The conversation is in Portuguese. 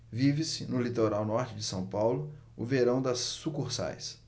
vive-se no litoral norte de são paulo o verão das sucursais